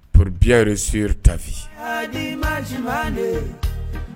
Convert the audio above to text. pou bien reussir ta vie